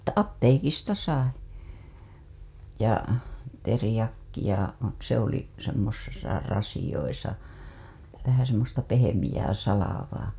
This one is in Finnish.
että apteekista sai ja teriakkia se oli semmoisessa rasioissa vähän semmoista pehmeää salvaa